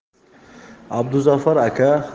abduzafar aka